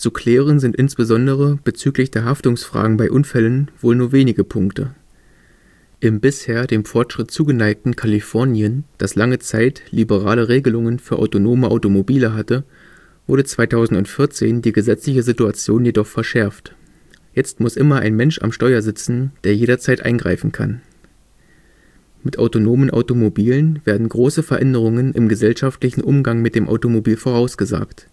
klären sind insbesondere bezüglich der Haftungsfragen bei Unfällen wohl nur wenige Punkte. Im bisher dem Fortschritt zugeneigten Kalifornien, das lange Zeit liberale Regelungen für autonome Automobile hatte, wurde 2014 die gesetzliche Situation jedoch verschärft - jetzt muss immer ein Mensch am Steuer sitzen, der „ jederzeit eingreifen kann “. Mit autonomen Automobilen werden große Veränderungen im gesellschaftlichen Umgang mit dem Automobil vorausgesagt